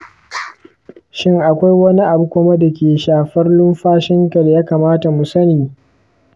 shin akwai wani abu kuma da ke shafar numfashinka da ya kamata mu sani?